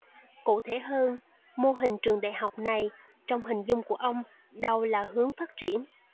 cụ thể hơn mô hình trường đại học này trong hình dung của ông đâu là hướng phát triển